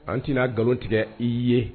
An tɛna'a nkalon tigɛ i ye